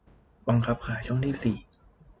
บังคับขายช่องที่สี่